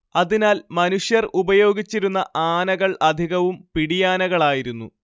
അതിനാൽ മനുഷ്യർ ഉപയോഗിച്ചിരുന്ന ആനകൾ അധികവും പിടിയാനകളായിരുന്നു